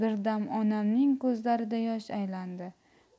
birdam onamning ko'zlarida yosh aylandi